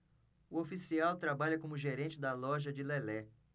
o oficial trabalha como gerente da loja de lelé